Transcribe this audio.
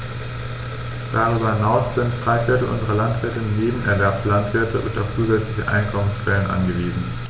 Darüber hinaus sind drei Viertel unserer Landwirte Nebenerwerbslandwirte und auf zusätzliche Einkommensquellen angewiesen.